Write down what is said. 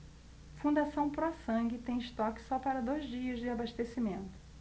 fundação pró sangue tem estoque só para dois dias de abastecimento